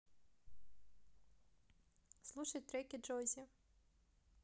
слушать треки джоззи